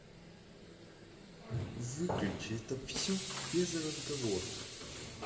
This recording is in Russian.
выключи это все без разговоров